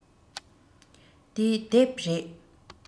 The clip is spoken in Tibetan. འདི དེབ རེད